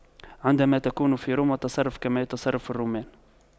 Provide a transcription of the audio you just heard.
عندما تكون في روما تصرف كما يتصرف الرومان